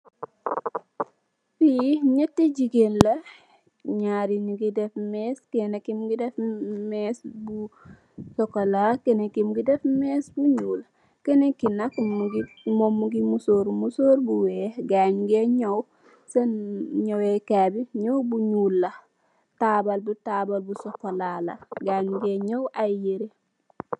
Fi neegi jigeen la naari nyugi def mess kena ki mogi def mess bu chocola kenen ki mogi def mess bu nuul kena ki nak momm mogi musurru musru bu week gaay nyu géey nyaw swn nyawu kai bi nyaw bu nuul la tabul tabul bu chocola gaay nyugi nyaw ay yere.